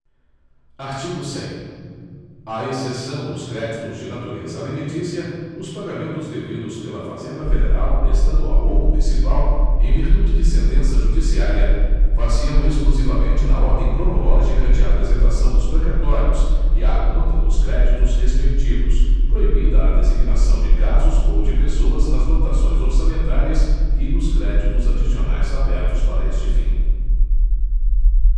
artigo cem à exceção dos créditos de natureza alimentícia os pagamentos devidos pela fazenda federal estadual ou municipal em virtude de sentença judiciária far se ão exclusivamente na ordem cronológica de apresentação dos precatórios e à conta dos créditos respectivos proibida a designação de casos ou de pessoas nas dotações orçamentárias e nos créditos adicionais abertos para este fim